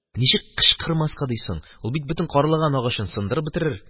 Ничек кычкырмаска ди соң, ул бит бөтен карлыган агачын сындырып бетерер